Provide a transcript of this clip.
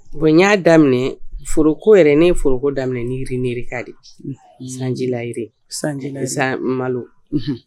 Bon y'a daminɛ foroko yɛrɛ ne foroko daminɛ niiri nereka de sanjila sanji zan malo